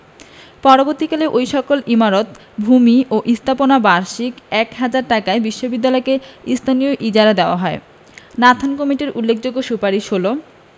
পরবর্তীকালে এ সকল ইমারত ভূমি ও স্থাপনা বার্ষিক এক হাজার টাকায় বিশ্ববিদ্যালয়কে স্থায়ী ইজারা দেওয়া হয় নাথান কমিটির উল্লেখযোগ্য সুপারিশ হলো